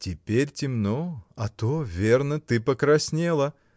— Теперь темно, а то, верно, ты покраснела!